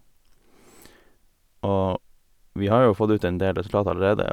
Og vi har jo fått ut en del resultater allerede.